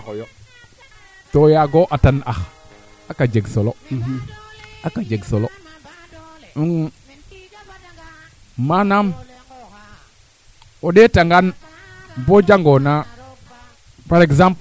xotit teen fasaɓ so xotit teen ɓasi o qol laaga fiya tirang tig ndaa ko ga' waa ando naye kaa naas areer dong fasaɓ sax o tew dena buga ngaano duuf te keene kaa maas na o qol ba duuf o qol lemi fasaɓ